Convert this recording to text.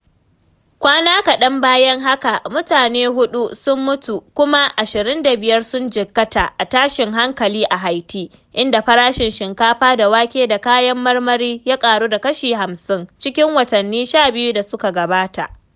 Kwana kaɗan bayan haka, mutane huɗu sun mutu kuma 25 sun jikkata a tashin hankali a Haiti, inda farashin shinkafa da wake da kayan marmari ya ƙaru da 50% cikin watanni 12 da suka gabata.